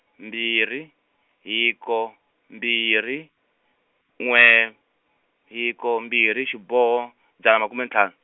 mbirhi, hiko, mbirhi, n'we, hiko mbirhi xiboho, dzana makume ntlhanu.